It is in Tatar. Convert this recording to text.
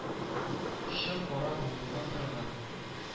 Чоң Кара Буура кырг